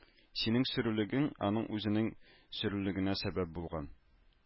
Синең сөрлегүең аның үзенең сөрлегүенә сәбәп булган